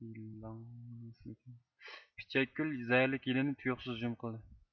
پىچەكگۈل زەھەرلىك يىلىنى تۇيۇقسىز ھۇجۇم قىلدى